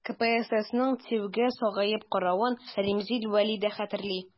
КПССның ТИҮгә сагаеп каравын Римзил Вәли дә хәтерли.